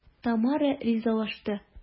Тамара ризалашты.